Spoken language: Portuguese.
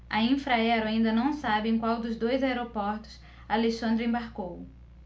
a infraero ainda não sabe em qual dos dois aeroportos alexandre embarcou